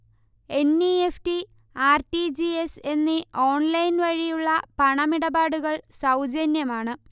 N. E. F. T., R. T. G. S. എന്നീ ഓൺലൈൻവഴിയുള്ള പണമിടപാടുകൾ സൗജന്യമാണ്